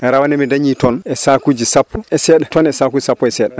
rawane mi dañi tonnes e sakuji sappo e seeɗa tonnes e sakuji sappo e seeɗa